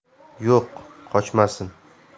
yo'q qochmasin